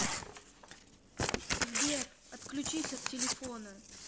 сбер отключись от телефона